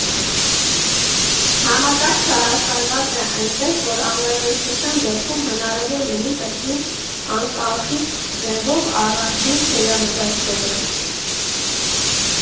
Համակարգը հաշվարկված է այնպես, որ անհրաժեշտության դեպքում հնարավոր լինի կրկին անկախնիկ ձևով առանձին թեյավճար թողել։